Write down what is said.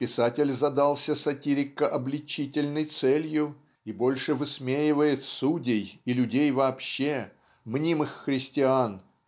Писатель задался сатирико-обличительной целью и больше высмеивает судей и людей вообще мнимых христиан